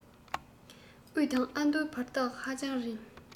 དབུས དང ཨ མདོའི བར ཐག ཧ ཅང རིང